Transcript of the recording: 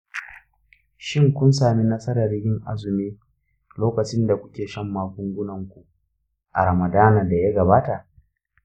shin kun sami nasarar yin azumi lokacin da kuke shan magungunanku a ramadana da ya gabata?